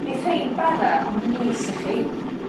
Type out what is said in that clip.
Neith rhein bara mis i chi.